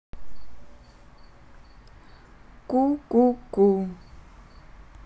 ку ку ку